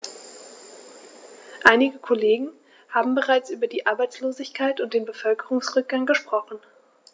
Einige Kollegen haben bereits über die Arbeitslosigkeit und den Bevölkerungsrückgang gesprochen.